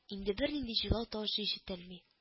Инде бернинди җылау тавышы ишетелми